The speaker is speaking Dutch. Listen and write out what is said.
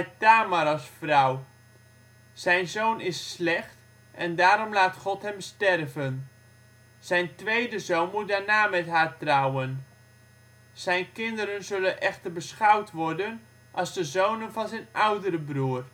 Tamar als vrouw. Zijn zoon is slecht en daarom laat God hem sterven. Zijn tweede zoon moet daarna met haar trouwen. Zijn kinderen zullen echter beschouwd worden als de zonen van zijn oudere broer